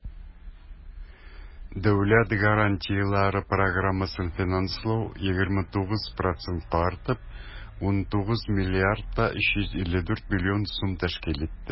Дәүләт гарантияләре программасын финанслау 29 процентка артып, 19 млрд 354 млн сум тәшкил итте.